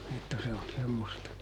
että se on semmoista